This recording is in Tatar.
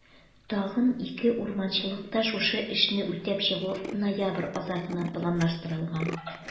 Тагын 2 урманчылыкта шушы эшне үтәп чыгу ноябрь азагына планлаштырылган.